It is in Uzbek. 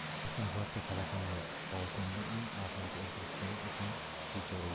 qarasam birorta talabam yo'q balkonda eng oxirida o'tirishgan ekan bechoralar